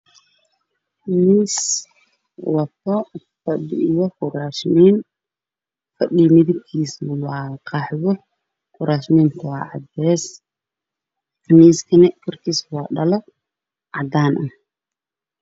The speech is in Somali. Meeshaan waxaa ka muuqdo fadhi iyo miisas loogu talagalay in cuntada loogu cuno meydad ka midabkooda waa caddaan fadhigana waa huruud iyo jaal jaallo wayna qurux badan tahay qolka